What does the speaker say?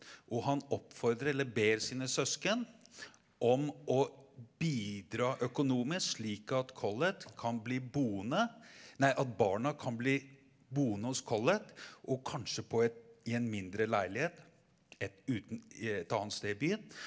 og han oppfordrer eller ber sine søsken om å bidra økonomisk slik at Collett kan bli boende nei at barna kan bli boende hos Collett og kanskje på et i en mindre leilighet et uten et annet sted i byen.